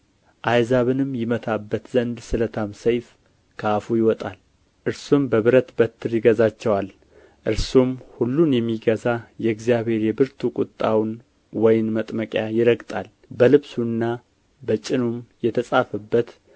አሕዛብንም ይመታበት ዘንድ ስለታም ሰይፍ ከአፉ ይወጣል እርሱም በብረት በትር ይገዛቸዋል እርሱም ሁሉን የሚገዛ የእግዚአብሔርን የብርቱ ቍጣውን ወይን መጥመቂያ ይረግጣል በልብሱና በጭኑም የተጻፈበት